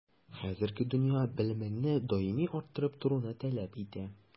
Хәзерге дөнья белемеңне даими арттырып торуны таләп итә.